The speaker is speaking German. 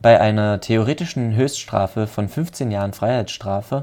Bei einer theoretischen Höchststrafe von 15 Jahren Freiheitsstrafe